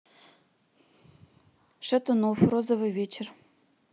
шатунов розовый вечер